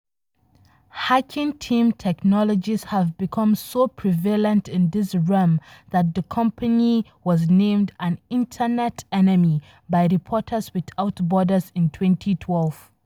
Hacking Team technologies have become so prevalent in this realm that the company was named an “Internet Enemy” by Reporters Without Borders in 2012.